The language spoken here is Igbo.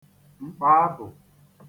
m̀kpàabụ̀